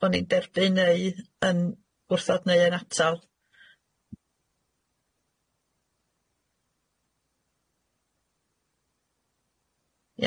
Bo' ni'n derbyn neu yn wrthod neu yn atal.